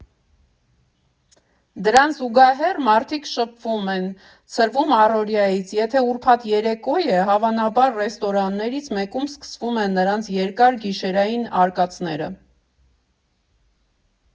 Դրան զուգահեռ մարդիկ շփվում են, ցրվում առօրյայից, եթե ուրբաթ երեկո է՝ հավանաբար ռեստորաններից մեկում սկսվում են նրանց երկար գիշերային արկածները։